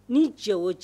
Ni cɛ o cɛ